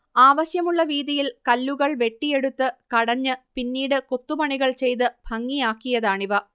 ആവശ്യമുള്ള വീതിയിൽ കല്ലുകൾ വെട്ടിയെടുത്ത് കടഞ്ഞ് പിന്നീട് കൊത്തുപണികൾചെയ്ത് ഭംഗിയാക്കിയതാണിവ